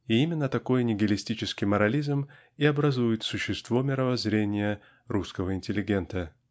и именно та кой нигилистический морализм и образует существо мировоззрения русского интеллигента.